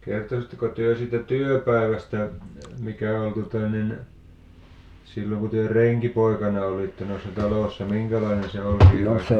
kertoisitteko te siitä työpäivästä mikä oli tuota niin silloin kun te renkipoikana olitte noissa taloissa minkälainen se oli